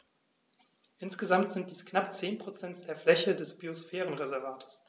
Insgesamt sind dies knapp 10 % der Fläche des Biosphärenreservates.